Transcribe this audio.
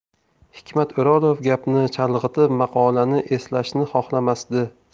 hikmat o'rolov gapni chalg'itib maqolani eslashni xohlamasdi